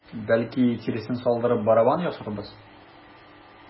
Бәлки, тиресен салдырып, барабан ясарбыз?